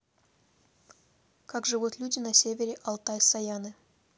как живут люди на севере алтай саяны